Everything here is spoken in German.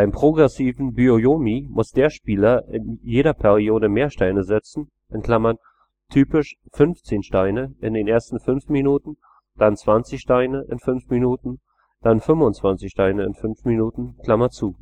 progressiven Byo-Yomi muss der Spieler in jeder Periode mehr Steine setzen (typisch 15 Steine in den ersten 5 Minuten, dann 20 Steine in 5 Minuten, dann 25 Steine in 5 Minuten,...